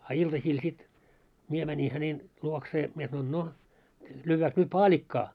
a iltasilla sitten minä menin hänen luokseen minä sanoin no lyödäänkö nyt paalikkaa